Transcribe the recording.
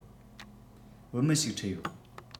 བུད མེད ཞིག ཁྲིད ཡོད